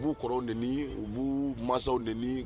U b'u kɔrɔw nɛni, u b'u masaw nɛni